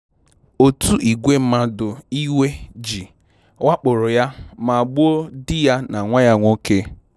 Otu ìgwè mmadụ iwe ji wakporo ya ma gbuo di ya na nwa ya nwoke.